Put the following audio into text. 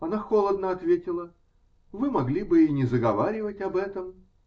Она холодно ответила: -- Вы могли бы и не заговаривать об этом.